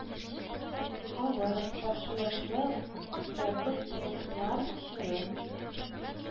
Авыр, каршылыклы үзгәртеп корулар чоры